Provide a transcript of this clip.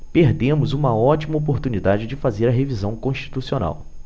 perdemos uma ótima oportunidade de fazer a revisão constitucional